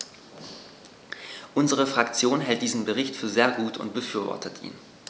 Unsere Fraktion hält diesen Bericht für sehr gut und befürwortet ihn.